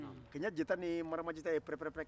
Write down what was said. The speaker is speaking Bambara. keɲanjeta ni marama jeta ye pɛrɛ-pɛrɛ-pɛrɛ kɛ